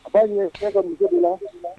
A b'a ka dugutigi la